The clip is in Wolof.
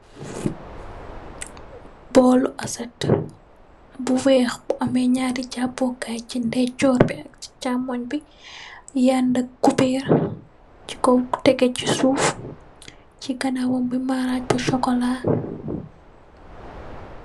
Bool lu asset bu weeh, bu ameh naari jap pukaay ci ndejor bi, ci chàmoñ bi yandd kuberr. Ci kaw tégé ci suuf. Ci ganaawam bi maraj bi sokola.